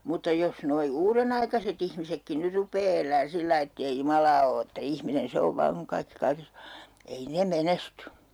mutta jos nuo uudenaikaiset ihmisetkin nyt rupeaa elämään sillä lailla että ei Jumalaa ole että ihminen se on vain kun kaikki kaikessa on ei ne menesty